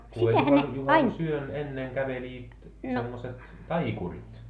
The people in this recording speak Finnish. kun ne juhannusyön ennen kävelivät semmoiset taikurit